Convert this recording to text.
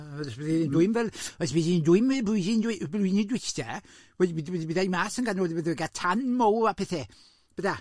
Yy jyst bydd hi'n dwyn fel os bydd hi'n dwyn mwy blwyddyn dwy- blwyni dwytha, wel bydd bydd bydd bydd ei mas yn ganol bydd bydd e'n cael tan mow a pethe, bydda?